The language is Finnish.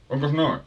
onkos noin